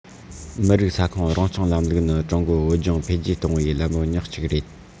མི རིགས ས ཁོངས རང སྐྱོང ལམ ལུགས ནི ཀྲུང གོའི བོད ལྗོངས འཕེལ རྒྱས གཏོང བའི ལམ བུ ཉག གཅིག རེད